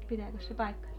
pitääkös se paikkansa